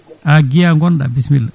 an Guiya gonɗa bisimilla